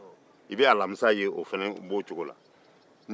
alamisa fana b'o cogo la